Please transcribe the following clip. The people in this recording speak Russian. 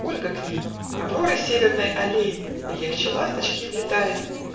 Ольга к ней, Авроры северной алей И легче ласточки, влетает